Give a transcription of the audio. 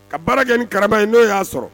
Ka baara kɛ nin karama in n'o y'a sɔrɔ